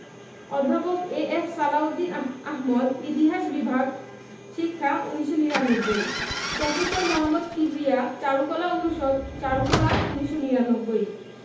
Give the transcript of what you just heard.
অধ্যাপক এ.এফ সালাহ উদ্দিন আহমদ ইতিহাস বিভাগ শিক্ষা ১৯৯৯ প্রফেসর মোহাম্মদ কিবরিয়া চারুকলা অনুষদ চারুকলা ১৯৯৯